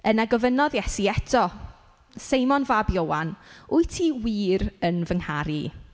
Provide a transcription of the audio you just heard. Yna gofynodd Iesu eto Seimon fab Ioan wyt ti wir yn fy ngharu?